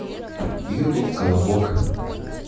ютуб колобок